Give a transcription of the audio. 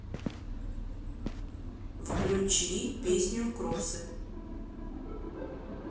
включи песню кроссы